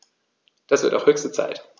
Das wird auch höchste Zeit!